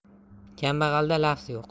kambag'alda lafz yo'q